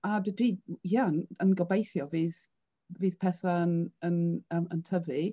A dydy... ie yn gobeithio fydd fydd pethau'n yn yn yn tyfu.